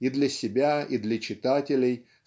и для себя, и для читателей